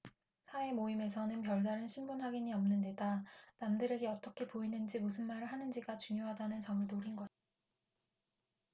사회모임에서는 별다른 신분 확인이 없는 데다 남들에게 어떻게 보이는지 무슨 말을 하는지가 중요하다는 점을 노린 것이다